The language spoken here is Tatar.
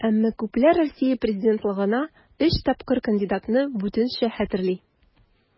Әмма күпләр Россия президентлыгына өч тапкыр кандидатны бүтәнчә хәтерли.